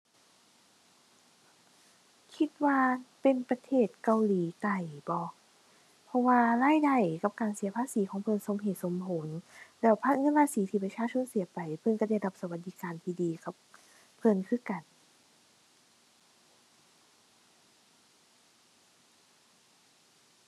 คิดว่าเป็นประเทศเกาหลีใต้บ่ เพราะว่ารายได้กับการเสียภาษีของเพิ่นสมเหตุสมผล แล้วภา เงินภาษีที่ประชาชนเสียไปเพิ่นก็ได้รับสวัสดิการที่ดีกับเพิ่นคือกัน